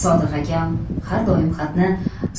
sodiq akam har doim xatni